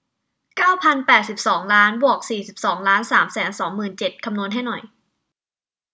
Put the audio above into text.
เก้าพันแปดสิบสองล้านบวกสี่สิบสองล้านสามแสนสองหมื่นเจ็ดคำนวณให้หน่อย